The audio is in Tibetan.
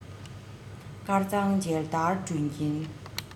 དཀར གཙང མཇལ དར སྒྲོན གྱིན